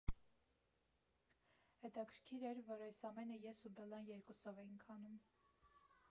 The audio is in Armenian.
Հետաքրքիր էր, որ այս ամենը ես ու Բելլան երկուսով էինք անում։